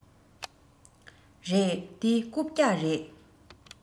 རེད འདི རྐུབ བཀྱག རེད